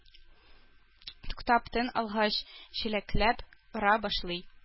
Туктап тын алгач, чиләкләп ора башлый